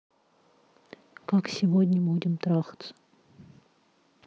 как сегодня будем трахаться